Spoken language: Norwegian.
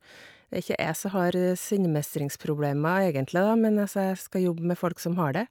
Det er ikke jeg som har sinnemestringsproblemer egentlig, da, men altså, jeg skal jobbe med folk som har det.